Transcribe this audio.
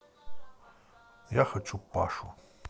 я хочу пашу